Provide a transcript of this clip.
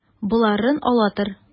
Боларын ала тор.